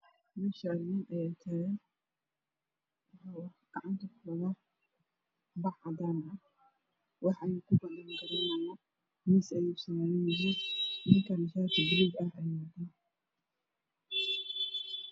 Meshaani nin ayaa tagan wuxuu gacanta ku wadaa bac cadan ah waxaa ayuu balan garaynayaa miis ayuu saran yahay ninkaan shati buluug ah ayuu wataaa